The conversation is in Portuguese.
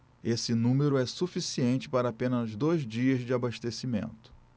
esse número é suficiente para apenas dois dias de abastecimento